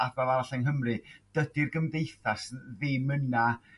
ardal arall yng Nghymru. Dydi'r gymdeithas ddim yna